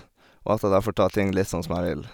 Og at jeg da får tar ting litt sånn som jeg vil.